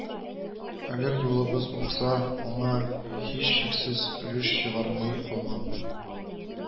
Әгәр юлыбыз уңса, аңа, һичшиксез, өлеш чыгармый калмам